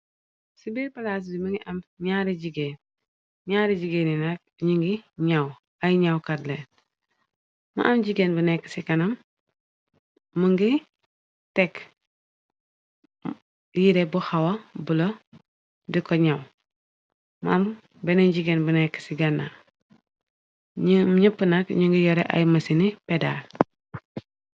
ci bir palaas bi, mi ngi am ñaari jigéen, ñaari jigèeni nak, ñingi ñaw, ay ñawkat leen, mu am jigéen bu nekk ci kanam, mu ngi tekk yiire bu xawa buleuh di ko ñaw, mu am baneen jigéen bu nek ci ganaaw, ñoom ñëpp nak ñu ngi yore ay mësini pedaal.